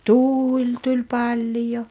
tuli tuli paljon